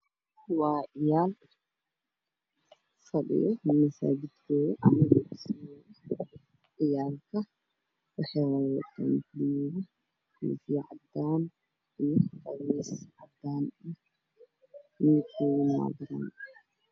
Waa ciyaal fadhiya masaajid waxay watana khamiistii cadaan oo fiican wayna badan yihiin